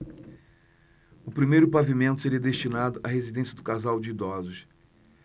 o primeiro pavimento seria destinado à residência do casal de idosos